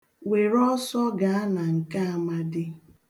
Were ọsọ gaa na nke Amadị.